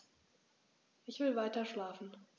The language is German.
Ich will weiterschlafen.